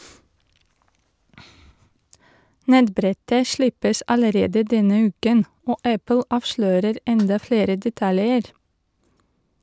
Nettbrettet slippes allerede denne uken, og Apple avslører enda flere detaljer.